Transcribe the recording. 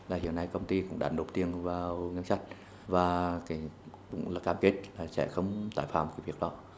và hiện nay công ty cũng đã nộp tiền vào ngân sách và cái cũng đã cam kết là sẽ không tái phạm cái việc đó